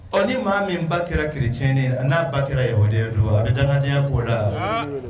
Ɔ ni maa min ba kɛra kirecinin n'a ba kɛra yahudiya ye dun, o de y'a to a bɛ dankadenya kole a la, haan!